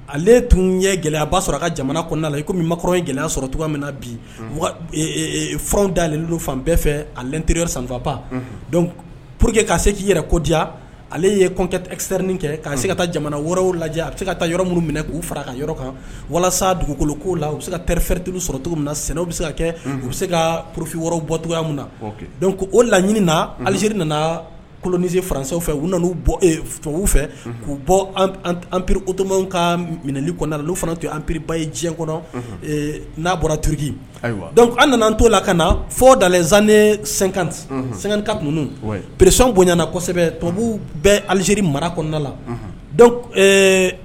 Ale tun ye gɛlɛyaba sɔrɔ ka jamana kɔnɔna la ikɔrɔ gɛlɛya sɔrɔ min na biw dalen fan bɛɛ fɛ a teri sanfa pa pur que se k'i yɛrɛ kodiya ale ye kɔnsɛ kɛ' se ka jamana lajɛ a bɛ se ka yɔrɔ minnu minɛ k'u yɔrɔ kan walasa dugukolo la bɛ se ka sɔrɔ cogo bɛ se kɛ u bɛ se ka porofin wɔɔrɔ bɔya min na ko o laɲini na alizri nana kolonisi faran fɛ u nana'u bɔbabu fɛ k'u bɔptow ka minɛli kɔnɔna la u fana tun anpriba ye diɲɛ kɔnɔ n'a bɔra tuuruki an nana to la ka na fɔ da zannen senkan senkaun presisɔnbonanasɛbɛ tubabubu bɛ alizeri mara kɔnɔna la